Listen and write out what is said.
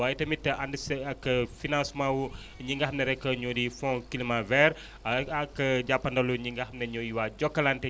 waaye tamit ànd si ak financement wu ñi nga xam ne rek ñoo di fond climat vers ak ak jàppandalu ñi nga xam ne ñooy waa Jokalante